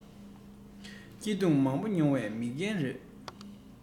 སྐྱིད སྡུག མང པོ མྱོང བའི མི རྒན རེད